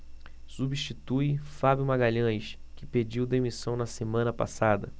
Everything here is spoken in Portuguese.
substitui fábio magalhães que pediu demissão na semana passada